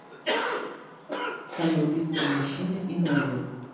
самые быстрые машины и новые